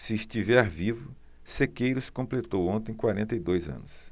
se estiver vivo sequeiros completou ontem quarenta e dois anos